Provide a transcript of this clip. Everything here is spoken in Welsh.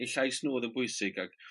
Eu llais nhw odd yn bwysig ag